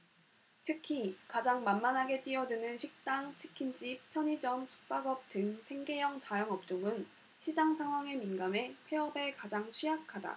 특히 가장 만만하게 뛰어드는 식당 치킨집 편의점 숙박업 등 생계형 자영업종은 시장상황에 민감해 폐업에 가장 취약하다